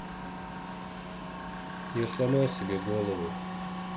я сломал себе голову